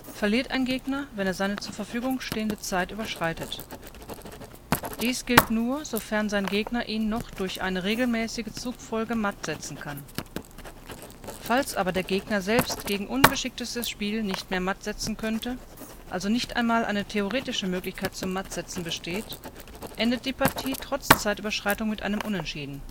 verliert ein Spieler, wenn er seine zur Verfügung stehende Zeit überschreitet. Dies gilt nur, sofern sein Gegner ihn noch durch eine regelgemäße Zugfolge mattsetzen kann; falls aber der Gegner selbst gegen ungeschicktestes Spiel nicht mehr mattsetzen könnte – also nicht einmal eine theoretische Möglichkeit zum Mattsetzen besteht – endet die Partie trotz Zeitüberschreitung mit einem Unentschieden